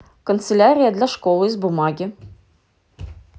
канцелярия для школы из бумаги